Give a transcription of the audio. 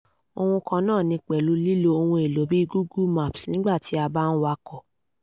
Ohun kan náà ni pẹ̀lú lílo ohun èlò bíi Google Maps nígbà tí a bá ń wakọ̀.